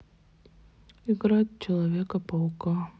играть в человека паука